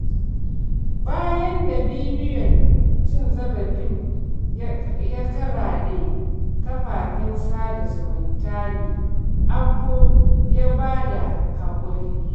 Bayan da bidiyon cin zarafin ya karaɗe kafafen sada zumunta ne, Abbo ya ba da haƙuri.